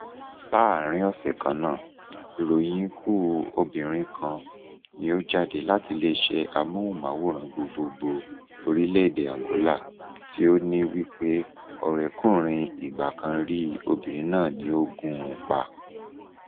Láàárín ọ̀sẹ̀ kan náà, ìròyìn ikú obìnrin kan ni ó jáde láti ilé-iṣẹ́ Amóhùn-máwòrán Gbogboògbò orílẹ̀-èdè Angola tí ó ní wípé ọ̀rẹ́kùnrin ìgbà-kan-rí obìnrin náà ni ó gún un pa.